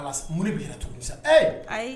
Ala mun bɛ tu sa